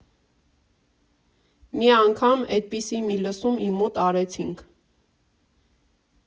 Մի անգամ էդպիսի մի լսում իմ մոտ արեցինք։